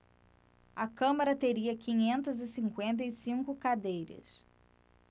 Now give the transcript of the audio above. a câmara teria quinhentas e cinquenta e cinco cadeiras